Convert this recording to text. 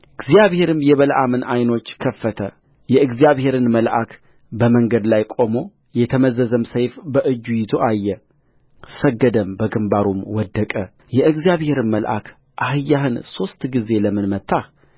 እግዚአብሔርም የበለዓምን ዓይኖች ከፈተ የእግዚአብሔርን መልአክ በመንገድ ላይ ቆሞ የተመዘዘም ሰይፍ በእጁ ይዞ አየ ሰገደም በግምባሩም ወደቀየእግዚአብሔርም መልአክ አህያህን ሦስት ጊዜ ለምን መታህ